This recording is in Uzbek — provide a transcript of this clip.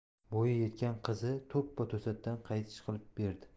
bo'yi yetgan qizi to'ppa to'satdan qaytish qilib berdi